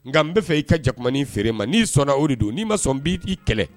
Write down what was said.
Nka n bɛ fɛ i ka jamanin fere ma, n'i sɔnna o de don, n'i ma sɔn n b'i i kɛlɛ.